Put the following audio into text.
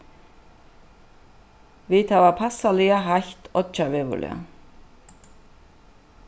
vit hava passaliga heitt oyggjaveðurlag